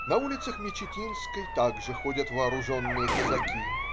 На улицах Мечетинской также ходят вооруженные казаки.